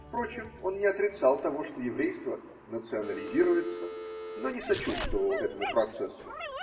впрочем, он не отрицал того, что еврейство национализируется, но не сочувствовал этому процессу.